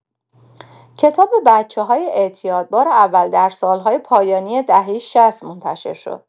کتاب «بچه‌های اعتیاد» بار اول در سال‌های پایانی دهه شصت منتشر شد.